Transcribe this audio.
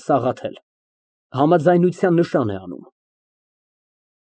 ՍԱՂԱԹԵԼ ֊ (Համաձայնության նշան է անում)։